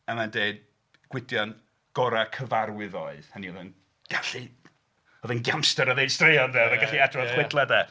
A mae'n dweud; "Gwydion gorau cyfarwydd oedd". Hynny yw, oedd o'n gallu... oedd o'n giamstar am ddweud straeon 'de. Oedd o'n gallu adrodd chwedlau de.